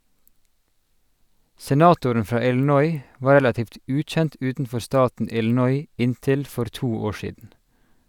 Senatoren fra Illinois var relativt ukjent utenfor staten Illinois inntil for to år siden.